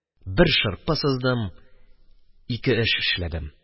Бер шырпы сыздым – ике эш эшләдем.